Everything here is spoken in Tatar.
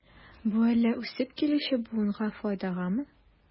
Бу әллә үсеп килүче буынга файдагамы?